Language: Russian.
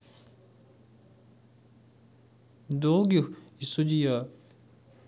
долгих и судья